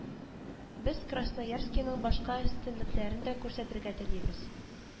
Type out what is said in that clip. Без красноярскиның башка өстенлекләрен дә күрсәтергә телибез